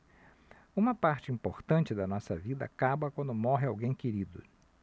uma parte importante da nossa vida acaba quando morre alguém querido